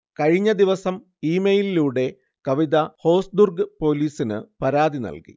കഴിഞ്ഞദിവസം ഇമെയിലിലൂടെ കവിത ഹോസ്ദുർഗ് പോലീസിന് പരാതി നൽകി